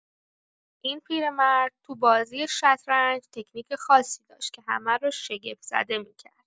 این پیرمرد تو بازی شطرنج تکنیک خاصی داشت که همه رو شگفت‌زده می‌کرد.